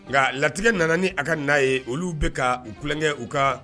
Nka latigɛ nana ni a ka n'a ye olu bɛ ka u kukɛ u ka